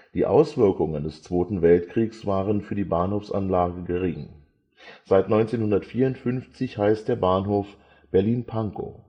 Die Auswirkungen des Zweiten Weltkriegs waren für die Bahnhofsanlage gering. Seit 1954 heißt der Bahnhof Berlin-Pankow